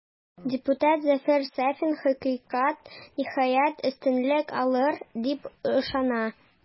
Депутат Зөфәр Сафин, хакыйкать, ниһаять, өстенлек алыр, дип ышана.